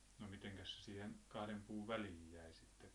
no mitenkäs se siihen kahden puun väliin jäi sitten